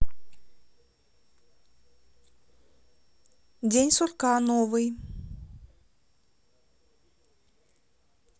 день сурка новый